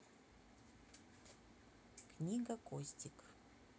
книга костик